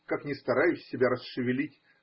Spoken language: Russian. Как я ни стараюсь себя расшевелить.